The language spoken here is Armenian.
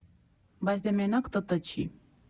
֊ Բայց դե մենակ ՏՏ չի.